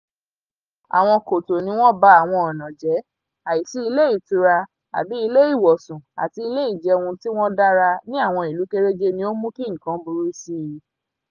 Àwọn kòtò ni wọ́n ba àwọn ọ̀nà jẹ́, àìsí ilé-ìtura àbí ilé-ìwọ̀sùn àti ilé-ìjẹun tí wọ́n dára ní àwọn ìlú kéréje ni ó mú kí nǹkan burú síi.